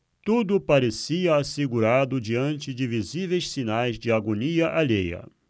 tudo parecia assegurado diante de visíveis sinais de agonia alheia